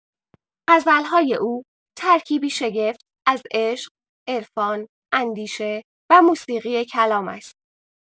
غزل‌های او ترکیبی شگفت از عشق، عرفان، اندیشه و موسیقی کلام است.